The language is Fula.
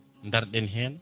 daroɗen hen